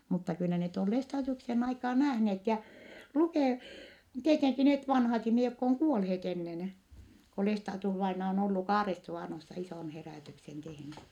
mutta kyllä ne on Lestadiuksen aikaan nähneet ja - tietenkin ne vanhat ihmiset jotka on kuolleet ennen kuin Lestadius-vainaja on ollut Kaaresuvanossa ison herätyksen tehnyt